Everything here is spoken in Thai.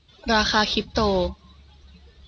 ราคาคริปโต